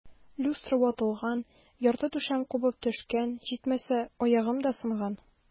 Люстра ватылган, ярты түшәм кубып төшкән, җитмәсә, аягым да сынган.